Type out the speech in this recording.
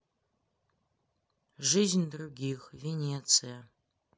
жизнь других венеция